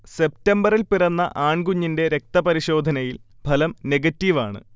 സെപ്റ്റംബറിൽ പിറന്ന ആൺകുഞ്ഞിന്റെ രക്തപരിശോധനയിൽ ഫലം നെഗറ്റീവ് ആണ്